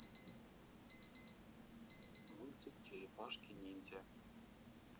мультик черепашки ниндзя